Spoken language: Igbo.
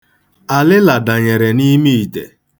Alịla danyere n'ime ite.